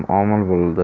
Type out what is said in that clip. muhim omil bo'ldi